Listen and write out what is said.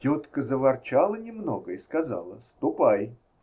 Тетка заворчала немного и сказала: "Ступай".